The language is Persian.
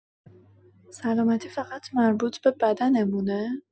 سلامتی فقط مربوط به بدنمونه؟